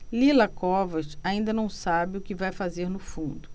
lila covas ainda não sabe o que vai fazer no fundo